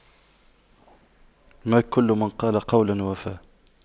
ما كل من قال قولا وفى